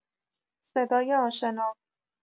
صدای آشنا